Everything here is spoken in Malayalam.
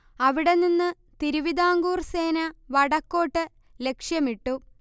അവിടെ നിന്ന് തിരുവിതാംകൂർ സേന വടക്കോട്ട് ലക്ഷ്യമിട്ടു